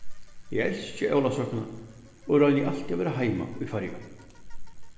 eg elski ólavsøkuna og royni altíð at vera heima í føroyum